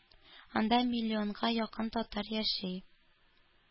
Анда миллионга якын татар яши.